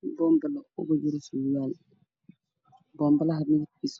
Miiska waxaa kor saaran labo heerfon medeb koodu yihiin cadaan iyo cadeys